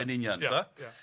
Yn union t'bo?